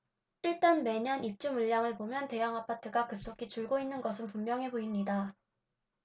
일단 매년 입주 물량을 보면 대형아파트가 급속히 줄고 있는 것은 분명해 보입니다